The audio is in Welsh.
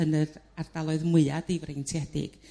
yn yr ardaloedd mwya' difreintiedig.